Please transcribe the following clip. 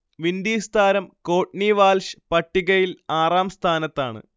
Windies താരം Courtney Walsh പട്ടികയിൽ ആറാം സ്ഥാനത്താണ്